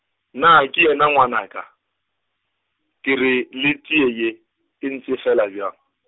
naa ke yena ngwanaka, ke re le teye ye, e ntsefela bjang .